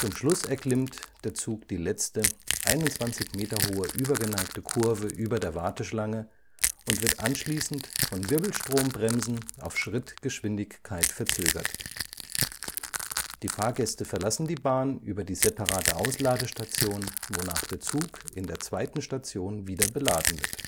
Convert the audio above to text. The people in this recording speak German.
Schluss erklimmt der Zug die letzte, 21 Meter hohe übergeneigte Kurve über der Warteschlange und wird anschließend von Wirbelstrombremsen auf Schrittgeschwindigkeit verzögert. Die Fahrgäste verlassen die Bahn über die separate Ausladestation, wonach der Zug in der zweiten Station wieder beladen wird